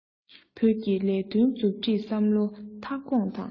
བོད ཀྱི ལས དོན གྱི མཛུབ ཁྲིད བསམ བློ མཐའ འཁྱོངས དང